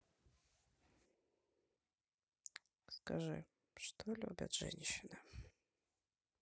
скажи что любят женщины